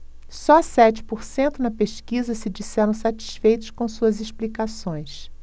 só sete por cento na pesquisa se disseram satisfeitos com suas explicações